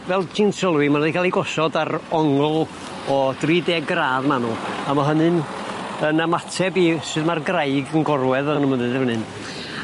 Fel ti'n sylwi ma' nw 'di ca'l 'u gosod ar ongl o dri deg gradd ma' nw a ma' hynny'n yn ymateb i su' ma'r graig yn gorwedd ar y mynydd yn fan 'yn.